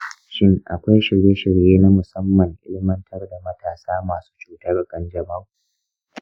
shin akwai shirye-shirye na musamman illimantar da matasa masu cutar kanjamau?